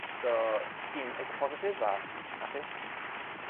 So un eitha positif a hapus.